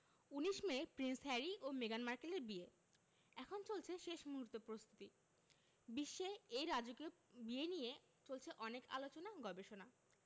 ১৯ May Prince Harry ও মেগান মার্কেলের বিয়ে এখন চলছে শেষ মুহূর্তের প্রস্তুতি বিশ্বে এই রাজকীয় বিয়ে নিয়ে চলছে অনেক আলোচনা গবেষণা